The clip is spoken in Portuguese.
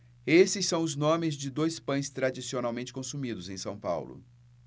esses são os nomes de dois pães tradicionalmente consumidos em são paulo